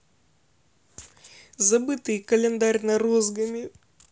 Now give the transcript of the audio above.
забытые календарь на розгами